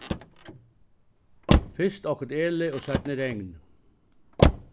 fyrst okkurt ælið og seinni regn